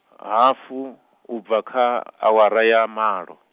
hafu, u bva kha, awara ya malo.